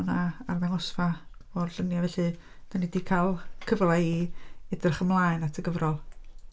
O'na arddangosfa o'r lluniau felly dan ni 'di cael cyfle i edrych ymlaen at y gyfrol.